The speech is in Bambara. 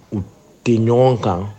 U tɛ ɲɔgɔn kan